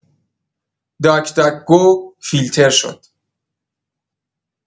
داک‌داک‌گو فیلتر شد!